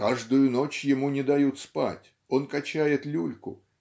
Каждую ночь ему не дают спать, он качает люльку.